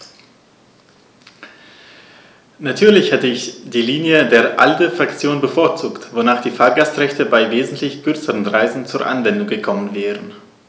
Natürlich hätte ich die Linie der ALDE-Fraktion bevorzugt, wonach die Fahrgastrechte bei wesentlich kürzeren Reisen zur Anwendung gekommen wären.